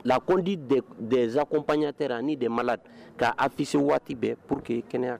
Lakdi zanakɔnpɲatɛ ni de ma la ka afisi waati bɛɛ pour que kɛnɛya